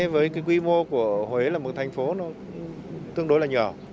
với cái quy mô của huế là một thành phố nó tương đối là nhỏ